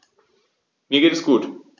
Mir geht es gut.